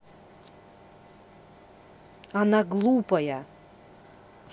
она глупая